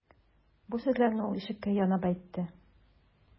Бу сүзләрне ул ишеккә янап әйтте.